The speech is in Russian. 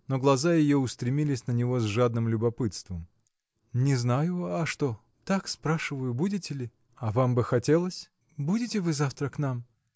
но глаза ее устремились на него с жадным любопытством. – Не знаю; а что? – Так, спрашиваю; будете ли? – А вам бы хотелось? – Будете вы завтра к нам?